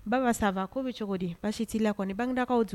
Baba saba k'o bɛ cogo di basi si t'i la kɔni bangedakaw don